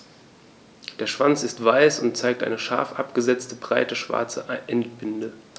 Der Schwanz ist weiß und zeigt eine scharf abgesetzte, breite schwarze Endbinde.